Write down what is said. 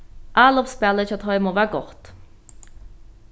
álopsspælið hjá teimum var gott